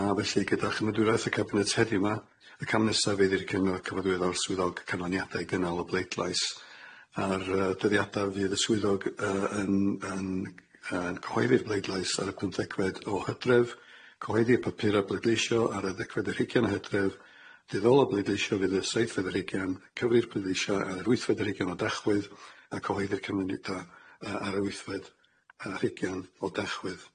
A felly gyda chymydwiraeth y cabinet heddiw ma y cam nesa fydd i'r cymy- cymydwyr ddaw'r swyddog canlyniadau gynnal o bleidlais a'r yy dyddiada fydd y swyddog yy yn yn yn cyhoeddi'r bleidlais ar y pymthegfed o Hydref, cyhoeddi'r papura bleidleisio ar y ddegfed yr hugain o Hydref, dyddol o bleidleisio fydd y saethfed yr hugain, cyfrir bleidleisio ar yr wythfed yr hugain o Dachwydd, a cyhoeddi'r cymnydda yy ar y wythfed yy rhugain o Dachwydd.